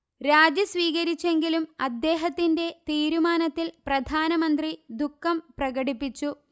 രാജി സ്വീകരിച്ചെങ്കിലും അദ്ദേഹത്തിന്റെ തീരുമാനത്തിൽ പ്രധാനമന്ത്രി ദുഃഖം പ്രകടിപ്പിച്ചു